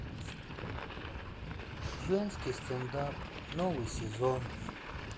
женский стендап новый сезон